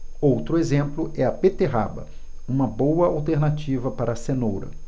outro exemplo é a beterraba uma boa alternativa para a cenoura